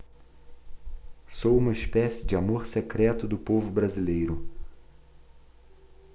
sou uma espécie de amor secreto do povo brasileiro